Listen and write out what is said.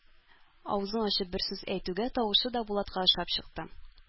Авызын ачып бер сүз әйтүгә тавышы да Булатка ошап чыкты.